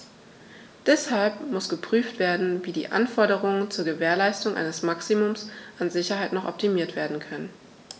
Deshalb muss geprüft werden, wie die Anforderungen zur Gewährleistung eines Maximums an Sicherheit noch optimiert werden können.